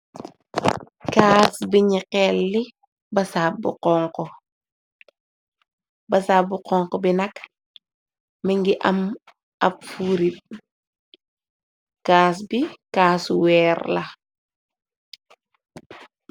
kaars bi ñi xelli basa bu xonk, bi nag mi ngi am ab fuuri, kaas bi kaasu weer la.